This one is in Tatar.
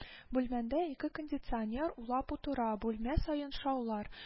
—бүлмәңдә ике кондиционер улап утыра, бүлмә саен шаулар…